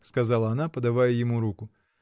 — сказала она, подавая ему руку.